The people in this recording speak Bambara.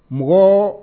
Mɔgɔ